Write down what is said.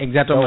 exactement